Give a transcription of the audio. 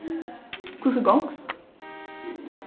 hvussu gongst